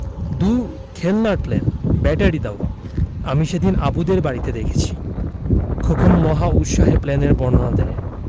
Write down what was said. দূর খেলনার plane battery দেয়া আমি সেদিন আবুদের বাড়িতে দেখেছি খোকন মহা উৎসাহে প্লেনের বর্ণনা দেয়